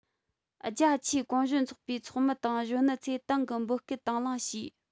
རྒྱ ཆེའི གུང གཞོན ཚོགས པའི ཚོགས མི དང གཞོན ནུ ཚོས ཏང གི འབོད སྐུལ དང ལེན ཞུས